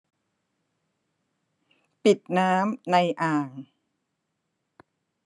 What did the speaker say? ปิดน้ำในอ่าง